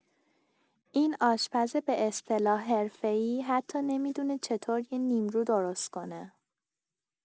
این آشپز به‌اصطلاح حرفه‌ای، حتی نمی‌دونه چطور یه نیمرو درست کنه!